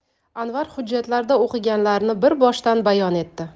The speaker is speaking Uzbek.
anvar hujjatlarda o'qiganlarini bir boshdan bayon etdi